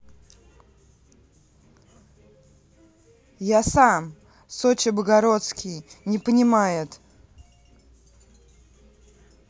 я сам сочи богородский не понимает